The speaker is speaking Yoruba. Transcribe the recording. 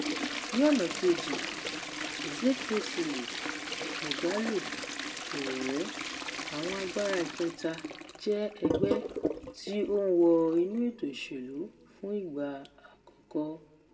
Ní ọ̀nà kejì, Ezekwesili, Moghalu, Sowore, àwọn "agbára ìkẹ́ta", jẹ́ ẹgbẹ́ tí ó ń wọ inú ètò ìṣèlú fún ìgbà àkọ́kọ́.